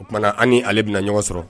O tumana an ni ale bɛna na ɲɔgɔn sɔrɔ